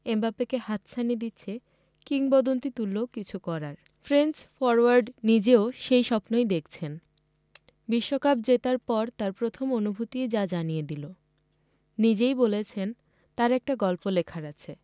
এমবাপ্পেকে হাতছানি দিচ্ছে কিংবদন্তিতুল্য কিছু করার ফ্রেঞ্চ ফরোয়ার্ড নিজেও সেই স্বপ্নই দেখছেন বিশ্বকাপ জেতার পর তাঁর প্রথম অনুভূতিই যা জানিয়ে দিল নিজেই বলছেন তাঁর একটা গল্প লেখার আছে